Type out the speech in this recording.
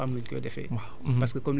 foofu dafa am nu ñu koy defee